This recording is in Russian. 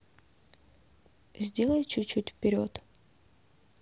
сделай чуть чуть вперед